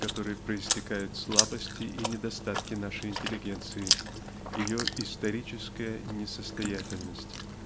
из которой проистекают слабости и недостатки нашей интеллигенции ее историческая несостоятельность.